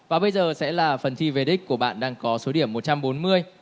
và bây giờ sẽ là phần thi về đích của bạn đang có số điểm một trăm bốn mươi